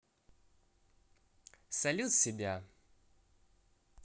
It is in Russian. салют себя